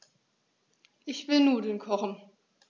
Ich will Nudeln kochen.